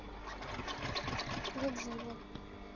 годзилла